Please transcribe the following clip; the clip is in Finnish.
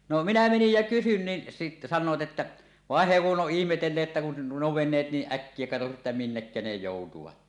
no minä menin ja kysyin niin - sanoivat että vaan he kun on ihmetelleet että kun nuo veneet niin äkkiä katosi että minnekä ne joutuivat